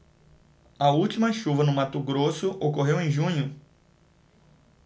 a última chuva no mato grosso ocorreu em junho